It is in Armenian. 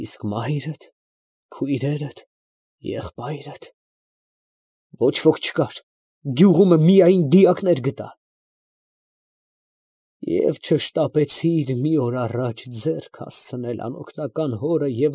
Իսկ մա՞յրդ… քույրե՞րդ… եղբա՞յրդ…։ ֊ Ոչ ոք չկար. գյուղումը միայն դիակներ գտա։ ֊ Եվ չշտապեցի՜ր մի օր առաջ ձեռք հասցնել անօգնական հորը և։